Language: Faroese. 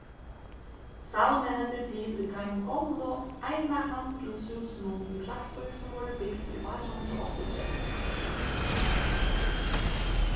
savnið heldur til í teimum gomlu einahandilshúsunum í klaksvík sum vórðu bygd í átjan hundrað og áttaogtretivu